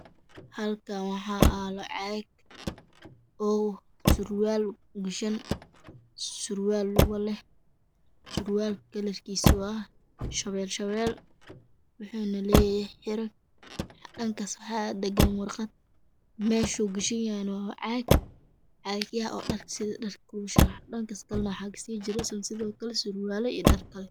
Hakanwaxayaalo osiwalgashan surwal Lugale surwalka kalarkisa washabeshabel wuxaleyahay xirag dhakas waxdhegan warqad meshugashanyahayna waacaag cagyaha sida dharkalagusharxadhakaskalena waxakajira sirwala iyodharkale